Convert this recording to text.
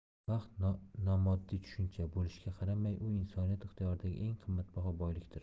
vaqt nomoddiy tushuncha bo'lishiga qaramay u insoniyat ixtiyoridagi eng qimmatbaho boylikdir